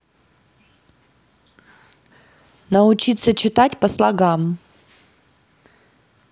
научиться читать по слогам